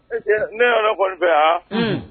Ne nana kɔni fɛ yan